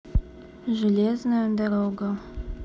железная дорога